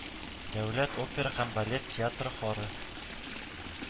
Дәүләт опера һәм балет театры хоры